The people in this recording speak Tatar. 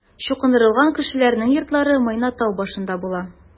Чукындырылган кешеләрнең йортлары Майна тау башында була.